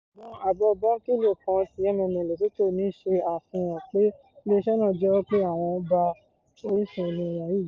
Ṣùgbọ́n, àbọ̀ bòńkẹ́lẹ́ kan tí MNN Lesotho ní ṣe àfihàn pé ilé-iṣẹ́ náà jẹ́wọ́ pé àwọn bá àwọn orísun omi wọ̀nyìí jẹ́.